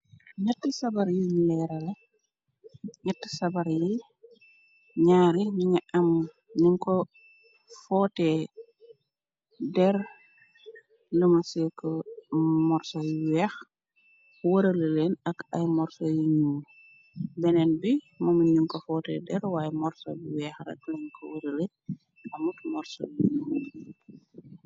Neeti sabar yun rangaleh neeti sabar yi naari ñu gi am nyun ko foote der luma cek morsoyu weex wërale leen ak ay morso yi ñuul beneen bi moomi niñ ko foote der waaye morso bi weex rak leen ko wërale amut morso.